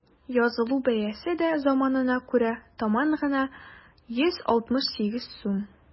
Язылу бәясе дә заманына күрә таман гына: 168 сум.